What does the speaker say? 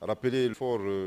Arape fɔ